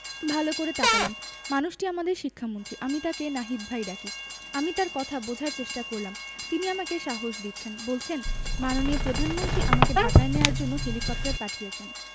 ভালো করে তাকালাম মানুষটি আমাদের শিক্ষামন্ত্রী আমি তাকে নাহিদ ভাই ডাকি আমি তার কথা বোঝার চেষ্টা করলাম তিনি আমাকে সাহস দিচ্ছেন বলছেন মাননীয় প্রধানমন্ত্রী আমাকে ঢাকায় নেওয়ার জন্য হেলিকপ্টার পাঠিয়েছেন